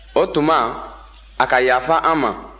o tuma a ka yafa an ma